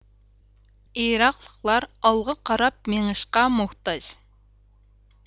ئىراقلىقلار ئالغا قاراپ مېڭىشقا مۇھتاج